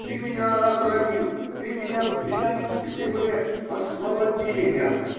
Ты меня отравил, ты меня придавил к земле, освободи меня.